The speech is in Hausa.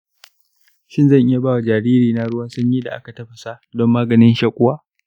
shin zan iya ba jaririna ruwan sanyi da aka tafasa don maganin shaƙuwa?